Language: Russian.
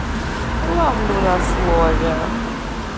ловлю на слове